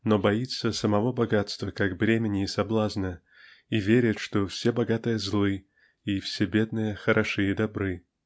но боится самого богатства как бремени и соблазна и верит что все богатые--злы а все бедные-- хороши и добры